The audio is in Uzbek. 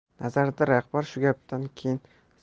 nazarida rahbar shu gapdan keyin